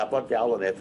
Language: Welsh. Nabod diawl o neb.